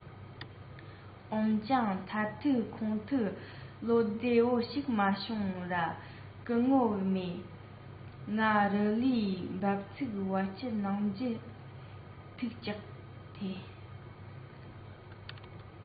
འོན ཀྱང མཐར ཐུག ཁོང ཐུགས བློ བདེ པོ ཞིག མ བྱུང ར སྐུ ངོ མས ང རི ལིའི འབབ ཚུགས བར སྐྱེལ གནང རྒྱུའི ཐུགས ཐག བཅད